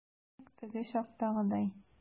Нәкъ теге чактагыдай.